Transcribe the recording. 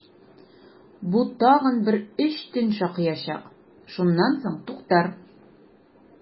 Бу тагын бер өч төн шакыячак, шуннан соң туктар!